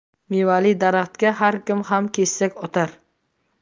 mevali daraxtga har kim ham kesak otar